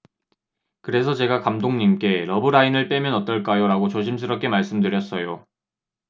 그래서 제가 감독님께 러브라인을 빼면 어떨까요라고 조심스럽게 말씀드렸어요